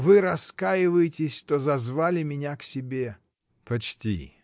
— Вы раскаиваетесь, что зазвали меня к себе. — Почти.